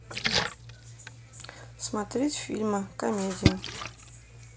смотреть фильмы комедии